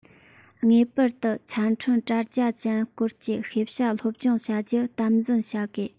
ངེས པར དུ ཆ འཕྲིན དྲ རྒྱ ཅན སྐོར གྱི ཤེས བྱ སློབ སྦྱོང བྱ རྒྱུ དམ འཛིན བྱ དགོས